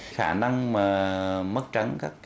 khả năng mà mất trắng các